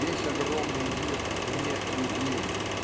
весь огромный мир не-людей.